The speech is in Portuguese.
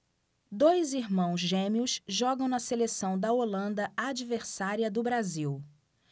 dois irmãos gêmeos jogam na seleção da holanda adversária do brasil